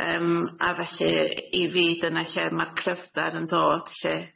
yym a felly i fi dyna lle ma'r cryfder yn dod lly.